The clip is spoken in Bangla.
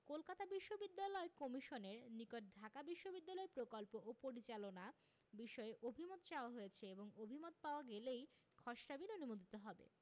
কলকাতা বিশ্ববিদ্যালয় কমিশনের নিকট ঢাকা বিশ্ববিদ্যালয় প্রকল্প ও পরিচালনা বিষয়ে অভিমত চাওয়া হয়েছে এবং অভিমত পাওয়া গেলেই খসড়া বিল অনুমোদিত হবে